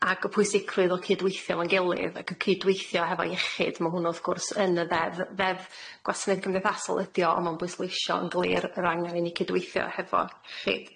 ac y pwysicrwydd o cydweithio efo'n gilydd ac y cydweithio hefo iechyd ma' hwn wrth gwrs yn y ddeddf ddeddf gwasanaeth cymdeithasol ydi o ond ma'n bwysleisio yn glir yr angen i cydweithio hefo .